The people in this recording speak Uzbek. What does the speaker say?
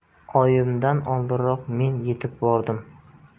oyimdan oldinroq men yetib bordim